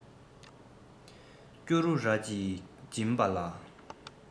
སྐྱུ རུ ར གཅིག བྱིན པ ལ